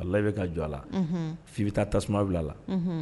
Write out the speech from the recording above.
Alahi bɛ ka jɔ a la f bɛ taa tasuma bila a la